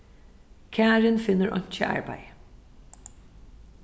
karin finnur einki arbeiði